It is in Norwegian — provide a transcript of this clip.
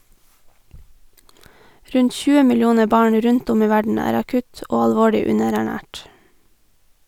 Rundt 20 millioner barn rundt om i verden er akutt og alvorlig underernært.